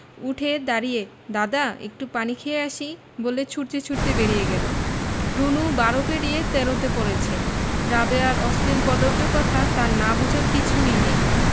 উঠে দাড়িয়ে দাদা একটু পানি খেয়ে আসি বলে ছুটতে ছুটতে বেরিয়ে গেল রুনু বারো পেরিয়ে তেরোতে পড়েছে রাবেয়ার অশ্লীল কদৰ্য কথা তার না বুঝার কিছুই নেই